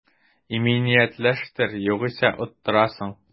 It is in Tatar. Иминиятләштер, югыйсә оттырасың